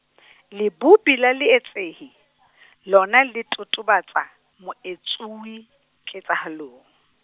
Lebopi la leetsehi, lona le totobatsa, moetsuwi, ketsahalong.